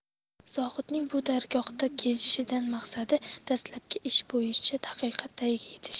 zohidning bu dargohga kelishidan maqsadi dastlabki ish bo'yicha haqiqat tagiga yetish